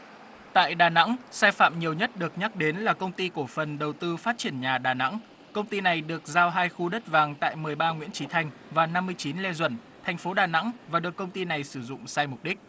tại đà nẵng sai phạm nhiều nhất được nhắc đến là công ty cổ phần đầu tư phát triển nhà đà nẵng công ty này được giao hai khu đất vàng tại mười ba nguyễn chí thanh và năm mươi chín lê duẩn thành phố đà nẵng và được công ty này sử dụng sai mục đích